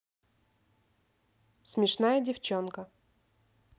смешная девчонка